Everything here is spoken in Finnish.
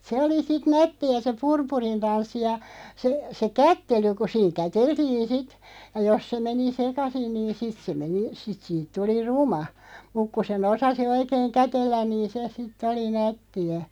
se oli sitten nättiä se purpurin tanssi ja se se kättely kun siinä käteltiin sitten ja jos se meni sekaisin niin sitten se meni sitten siitä tuli ruma mutta kun sen osasi oikein kätellä niin se sitten oli nättiä